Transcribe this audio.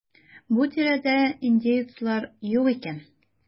Бу тирәдә индеецлар юк икән.